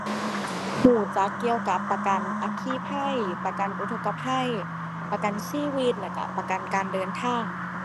รู้จักเกี่ยวกับประกันอัคคีภัย ประกันอุทกภัย ประกันชีวิต แล้วรู้ประกันการเดินทาง